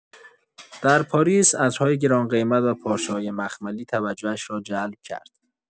در پاریس، عطرهای گران‌قیمت و پارچه‌های مخملی توجهش را جلب کرد.